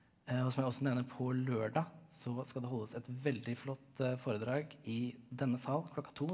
og så må jeg også nevne på lørdag så skal det holdes et veldig flott foredrag i denne sal klokka to.